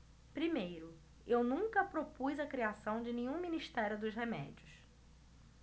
primeiro eu nunca propus a criação de nenhum ministério dos remédios